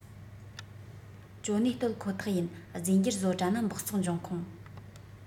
ཅོ ནེ གཏོད ཁོ ཐག ཡིན རྫས འགྱུར བཟོ གྲྭ ནི སྦགས བཙོག འབྱུང ཁུངས